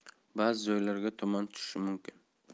ba'zi joylarga tuman tushishi mumkin